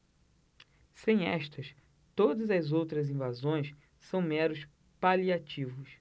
sem estas todas as outras invasões são meros paliativos